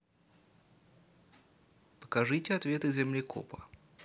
покажите ответы землекопа